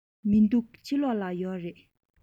མི འདུག ཕྱི ལོགས ལ ཡོད རེད